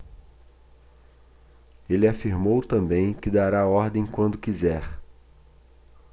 ele afirmou também que dará a ordem quando quiser